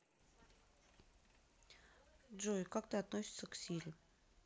джой как ты относишься к сири